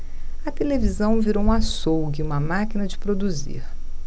a televisão virou um açougue uma máquina de produzir